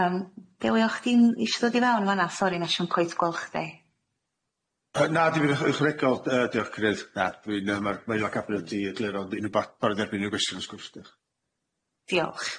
Yym Dewi o' chdi'n isio ddod i fewn yn fan'na? Sori nesh i'm cweit gwel' chdi. Yy na dim by uch- uchwaregol yy diolch cariydd. Na dwi'n yy ma'r ma' aelo cabine di egluro ond unrhyw ba- barod i erbyn unrhyw gwestiwn os gwrth diolch. Diolch.